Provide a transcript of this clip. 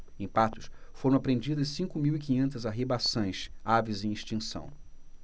em patos foram apreendidas cinco mil e quinhentas arribaçãs aves em extinção